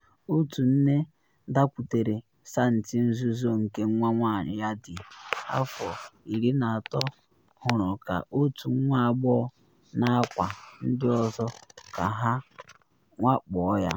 Otu nne dakwutere saịtị nzuzo nke nwa nwanyị ya dị afọ 13 hụrụ ka otu nwa agbọghọ na akwa ndị ọzọ ka ha “nwakpuo ya.”